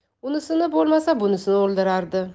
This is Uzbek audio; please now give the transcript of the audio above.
unisi bo'lmasa bunisi o'ldirardi